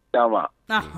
Ayiwa